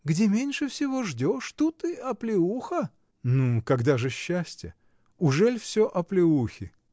Где меньше всего ждешь, тут и оплеуха. — Ну, когда же счастье? Ужели всё оплеухи?